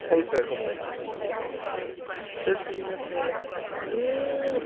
The full circle moment is just crazy. Does he love her? Mm.